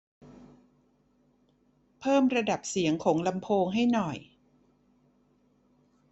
เพิ่มระดับเสียงของลำโพงให้หน่อย